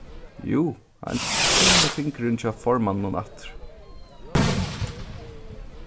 jú hann kennir fingurin hjá formanninum aftur